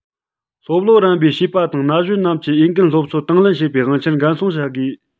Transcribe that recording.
སློབ ལོ རན པའི བྱིས པ དང ན གཞོན རྣམས ཀྱི འོས འགན སློབ གསོ དང ལེན བྱེད པའི དབང ཆར འགན སྲུང བྱ དགོས